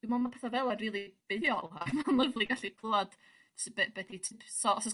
dwi me'wl ma' petha fela rili buddiol ac ma'n lyfli gallu clŵad su- be' be' 'di tips so os o' s